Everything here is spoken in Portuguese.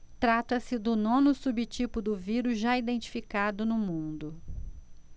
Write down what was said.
trata-se do nono subtipo do vírus já identificado no mundo